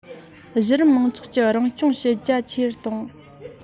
གཞི རིམ མང ཚོགས ཀྱི རང སྐྱོང བྱེད རྒྱ ཆེ རུ བཏང